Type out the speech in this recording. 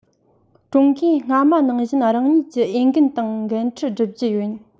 ཀྲུང གོས སྔ མ ནང བཞིན རང ཉིད ཀྱི འོས འགན དང འགན འཁྲི བསྒྲུབ རྒྱུ ཡིན